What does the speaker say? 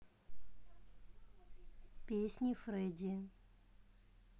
песни фреди